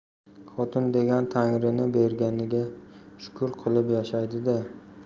xotin degan tangrining berganiga shukr qilib yashaydida